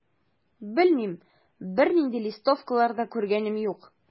Белмим, бернинди листовкалар да күргәнем юк.